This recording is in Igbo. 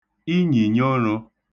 inyìnyoṙō